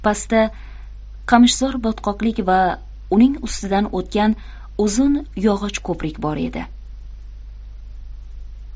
pastda qamishzor botqoqlik va uning ustidan o'tgan uzun yog'och ko'prik bor edi